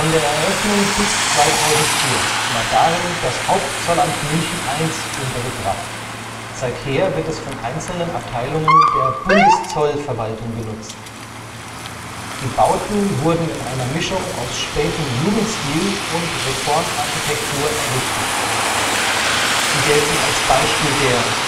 der Eröffnung bis 2004 war darin das Hauptzollamt München I untergebracht, seither wird es von einzelnen Abteilungen der Bundeszollverwaltung genutzt. Die Bauten wurden in einer Mischung aus spätem Jugendstil und Reformarchitektur errichtet. Sie gelten als Beispiel der